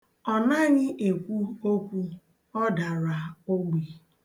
Ọ naghị ekwu okwu, ọ dara ogbi.